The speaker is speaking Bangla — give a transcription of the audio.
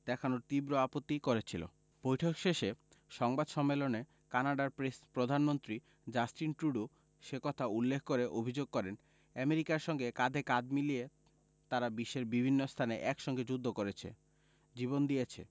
দেখানোয় তীব্র আপত্তি করেছিল বৈঠক শেষে সংবাদ সম্মেলনে কানাডার প্রধানমন্ত্রী জাস্টিন ট্রুডো সে কথা উল্লেখ করে অভিযোগ করেন আমেরিকার সঙ্গে কাঁধে কাঁধ মিলিয়ে তারা বিশ্বের বিভিন্ন স্থানে একসঙ্গে যুদ্ধ করেছে জীবন দিয়েছে